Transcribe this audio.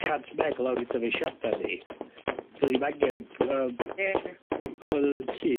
cant meg lawr i dyfeisiada ni fydd ni'm angen bw- yy... Ie ie. ...rwbeth y y tŷ.